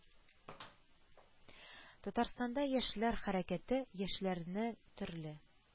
Татарстанда яшьлəр хəрəкəте, яшьлəрнең төрле